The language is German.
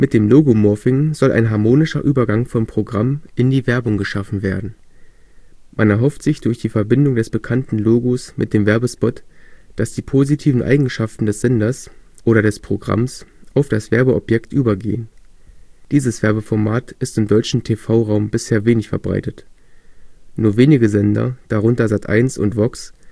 dem Logomorphing soll ein harmonischer Übergang von Programm in die Werbung geschaffen werden. Man erhofft sich durch die Verbindung des bekannten Logos mit dem Werbespot, dass die positiven Eigenschaften des Senders (oder des Programms) auf das Werbeobjekt übergehen. Dieses Werbeformat ist im deutschen TV-Raum bisher wenig verbreitet. Nur wenige Sender, darunter Sat1 und VOX